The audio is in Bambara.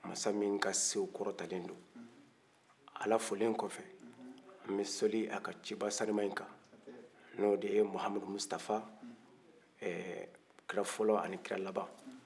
masa min ka sew kɔrɔta le do ala fo len kɔ fɛ an bɛ seli a ka ciba sanima yi kan ni o de ye mahamadu mustafa ɛɛ kira fɔlɔ ani kira laban